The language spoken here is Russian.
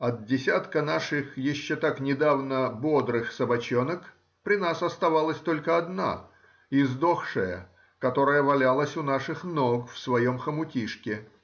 от десятка наших еще так недавно бодрых собачонок при нас оставалась только одна, издохшая, которая валялась у наших ног в своем хомутишке.